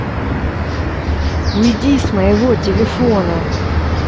уйди с моего телефона